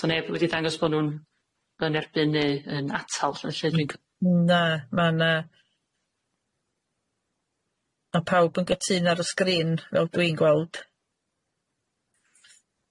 Sa neb wedi dangos bo' nw'n yn erbyn neu yn atal lly dwi'n c- Na ma' na, ma' pawb yn gytun ar y sgrin fel dwi'n gweld.